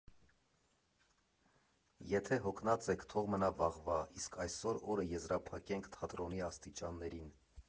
Եթե հոգնած եք, թող մնա վաղվա, իսկ այսօր օրը եզրափակեք թատրոնի աստիճաններին։